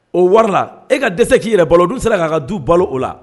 O wari la , e ka dɛsɛ k'i yɛrɛ balo, o dun sera k'a ka du balo o la!